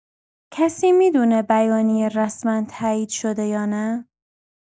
کسی می‌دونه بیانیه رسما تایید شده یا نه؟